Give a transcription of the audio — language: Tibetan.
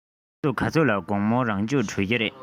ཆུ ཚོད ག ཚོད ལ དགོང མོའི རང སྦྱོང གྲོལ གྱི རེད